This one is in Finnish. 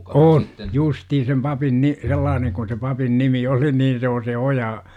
on justiin sen papin niin sellainen kuin se papin nimi oli niin se on se oja